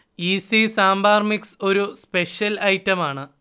easy sambar mix ഒരു special ഐറ്റമാണ്